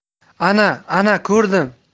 ana ana ko'rdim